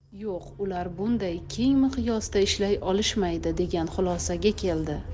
yo'q ular bunday keng miqyosda ishlay olishmaydi degan xulosaga keldi